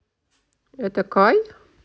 это кай